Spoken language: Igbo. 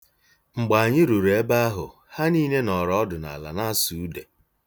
Mgbe anyị ruru ebe ahụ, ha niile nọọrọ ọdụ n'ala na-asụ ude.